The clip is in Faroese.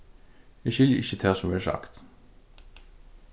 eg skilji ikki tað sum verður sagt